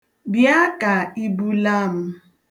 Bịa ka ibulaa m.